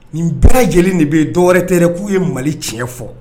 Nin bɛɛ lajɛlen de bɛ dɔwɛrɛ tɛɛrɛ k'u ye mali tiɲɛ fɔ